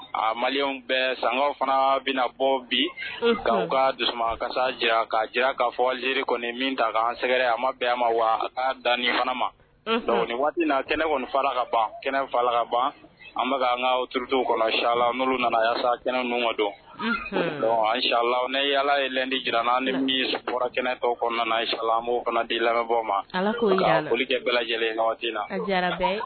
A mali bɛɛ san fana bɛna bɔ bi k ka dusu ka jira ka jira k'a fɔ re kɔni min ta k' an sɛgɛrɛ a ma bɛn a ma wa dan mana ma waati kɛnɛ kɔnifala ka ban kɛnɛfa la ka ban an bɛka an ka tuurute kɔnɔ sala n'olu nana yasa kɛnɛ ninnu ma don bɔn anla ne ala ye di jirana ni min bɔra kɛnɛtɔ kɔnɔna salamu fana di lamɛnbɔ ma ka folili kɛ bɛɛ lajɛlen la